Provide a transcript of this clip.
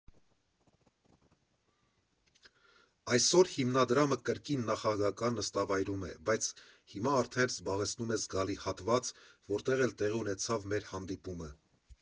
Այսօր հիմնադրամը կրկին նախագահական նստավայրում է, բայց հիմա արդեն զբաղեցնում է զգալի հատված, որտեղ էլ տեղի ունեցավ մեր հանդիպումը։